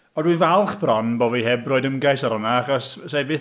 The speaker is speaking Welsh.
O dwi falch bron bo' fi heb roi ymgais ar hwnna achos...